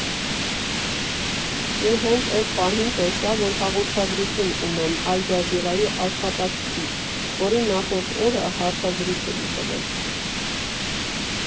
Ու հենց էդ պահին, տեսա, որ հաղորդագրություն ունեմ Ալ֊Ջազիրայի աշխատակցից, որին նախորդ օրը հարցազրույց էի տվել։